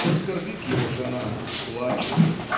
то скорбит его жена и плачет